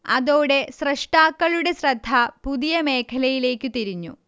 അതോടെ സ്രഷ്ടാക്കളുടെ ശ്രദ്ധ പുതിയമേഖലയിലേക്കു തിരിഞ്ഞു